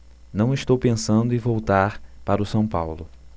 não estou pensando em voltar para o são paulo